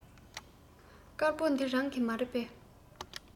དཀར པོ འདི རང གི མ རེད པས